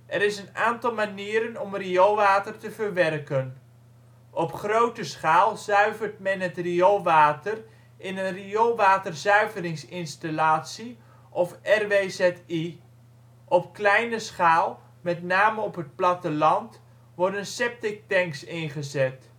Er is een aantal manieren om rioolwater te verwerken. Op grote schaal zuivert men het rioolwater in een rioolwaterzuiveringsinstallatie of " RWZI ". Op kleine schaal, met name op het platteland, worden septic tanks ingezet